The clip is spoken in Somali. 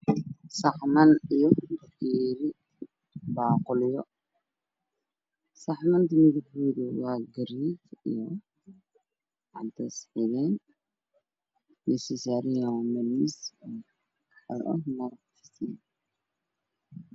Saxaman iyo bakeeri baaquliyo saxamantu midab koodu waa gaduud iyo cadees xigeen meesha ay saaran yihiin waa miis onadifsan